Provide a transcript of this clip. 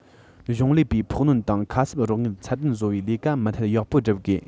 གཞུང ལས པའི ཕོགས སྣོན དང ཁ གསབ རོགས དངུལ ཚད ལྡན བཟོ བའི ལས ཀ མུ མཐུད ཡག པོ བསྒྲུབ དགོས